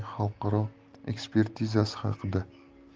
xalqaro ekspertizasi haqida